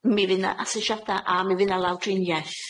Mi fydd 'na asesiada, a mi fydd 'na lawdriniaeth